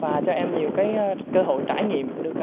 và cho em nhiều cái cơ hội trải nghiệm được